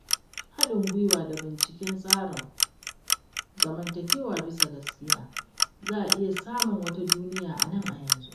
Haɗin gwiwa da binciken tsarin zamantakewa bisa gaskiya: za a iya samun wata duniyar a nan a yanzu.